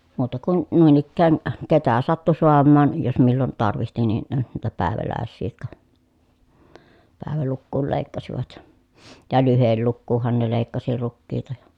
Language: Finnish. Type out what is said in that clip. muuta kuin noin ikään ketä sattui saamaan jos milloin tarvitsi niin niitä päiväläisiä jotka päivälukuun leikkasivat ja lyhdelukuunhan ne leikkasi rukiita ja